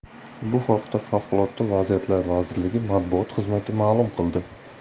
bu haqda favqulodda vaziyatlar vazirligi matbuot xizmati ma'lum qildi